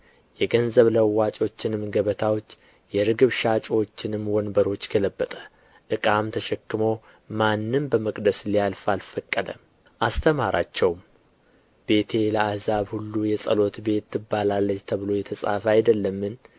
የገንዘብ ለዋጮችንም ገበታዎች የርግብ ሻጭዎችንም ወንበሮች ገለበጠ ዕቃም ተሸክሞ ማንም በመቅደስ ሊያልፍ አልፈቀደም አስተማራቸውም ቤቴ ለአሕዛብ ሁሉ የጸሎት ቤት ትባላለች ተብሎ የተጻፈ አይደለምን